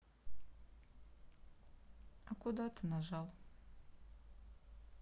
а куда ты нажал